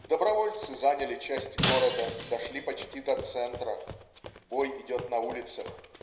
Добровольцы заняли часть города, дошли почти до центра. Бой идет на улицах.